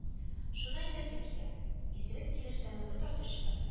Шуны әйтәсе килә: исерек килеш тәмәке тартучылар